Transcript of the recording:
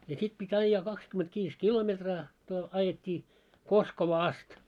ja sitten piti ajaa kaksikymmentäviisi kilometriä - ajettiin Koskovaan asti